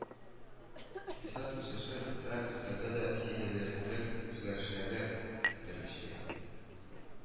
Икътисад үсеше социаль өлкәдә дә сизелерлек үзгәрешләргә этәргеч бирә